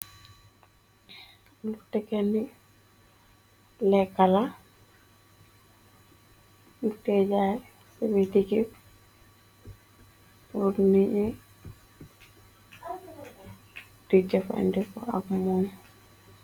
Liñ tèg li lekka la ñing koy jaay ci bitik yi purr nit yi di jafandiko ak mom.